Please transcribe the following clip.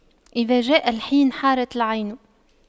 إذا جاء الحين حارت العين